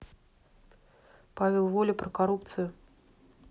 павел воля про коррупцию